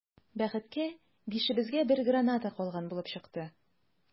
Бәхеткә, бишебезгә бер граната калган булып чыкты.